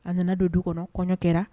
A nana don du kɔnɔ kɔɲɔ kɛra